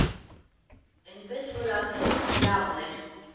Էնպես որ ապրեք, լավն էր։